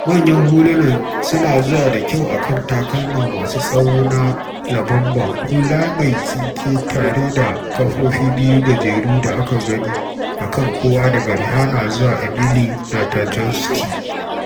Manyan hulunan suna zuwa da kyau a kan takalma masu tsawo na 'La Bomba', hula mai tsinke tare da ƙafofi biyu gajeru da aka gani a kan kowa daga Rihanna zuwa ga Emily Ratajkowski.